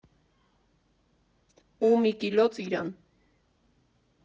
Ու մի կիլո ծիրան։